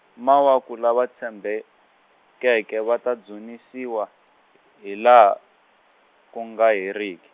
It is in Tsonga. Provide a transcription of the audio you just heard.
mawaku lava tshembekeke va ta dzunisiwa, hilaha, ku nga heriki.